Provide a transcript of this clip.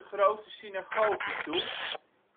grote synagoge toe,